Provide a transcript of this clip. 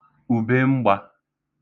ùbemgbā